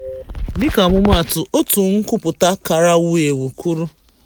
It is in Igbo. Dịka ọmụmaatụ, otu nkwupụta kara wu ewu kwuru: